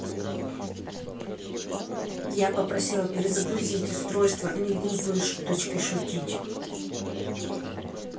я попросила перезагрузить устройство а не глупые шуточки шутить